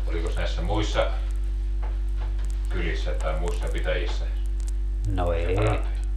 olikos näissä muissa kylissä tai muissa pitäjissä parantajaa